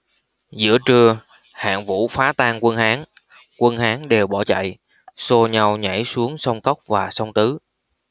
giữa trưa hạng vũ phá tan quân hán quân hán đều bỏ chạy xô nhau nhảy xuống sông cốc và sông tứ